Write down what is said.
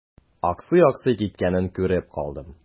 Аксый-аксый киткәнен күреп калдым.